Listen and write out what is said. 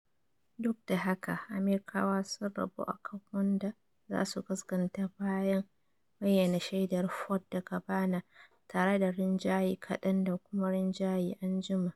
Duk da haka, Amirkawa sun rabu akan wanda zasu gaskanta bayan bayyanar shaidar Ford da Kavanaugh, tare da rinjaye kadan da kuma rinjaye anjima.